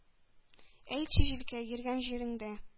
— әйтче, җилкәй, йөргән җиреңдә